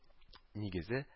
Нигезе